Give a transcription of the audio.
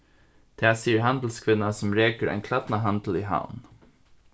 tað sigur handilskvinna sum rekur ein klædnahandil í havn